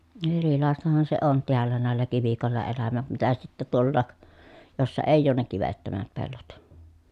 erilaistahan se on täällä näillä kivikoilla elämät mitä sitten tuolla jossa ei ole ne kivettömät pellot